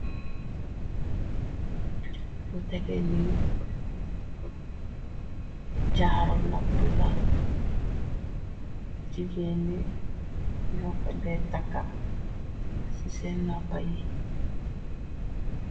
Lu tegeh ni jaru nopuh la ci jigeen yi ñoko déé takka ci sèèn nopuh yi.